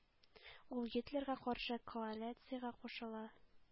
Ул гитлерга каршы коалициягә кушыла.